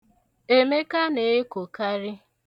Emeka na-ekokarị.